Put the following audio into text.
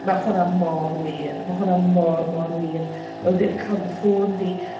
Ma' hwnna mor wir. Ma' hwnna mor mor wir ... ie ...Fel ddim cael dy ffon 'di.